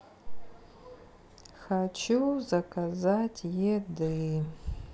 хочу заказать еды